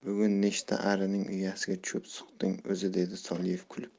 bugun nechta arining uyasiga cho'p suqding o'zi dedi soliev kulib